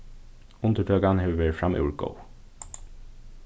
undirtøkan hevur verið framúr góð